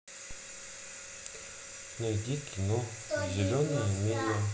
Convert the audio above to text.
найди кино зеленая миля